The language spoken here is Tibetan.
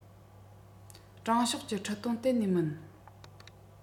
དྲང ཕྱོགས ཀྱི ཁྲིད སྟོན གཏན ནས མིན